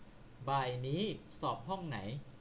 บ่ายนี้สอบห้องไหน